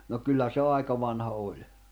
no kyllä se aika vanha oli